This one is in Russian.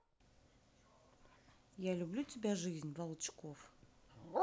я люблю тебя жизнь волчков